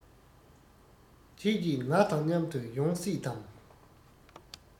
ཁྱེད ཀྱི ང དང མཉམ དུ ཡོང སྲིད དམ